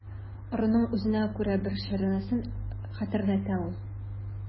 Ыруның үзенә күрә бер шәҗәрәсен хәтерләтә ул.